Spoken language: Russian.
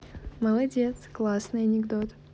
молодец классный анекдот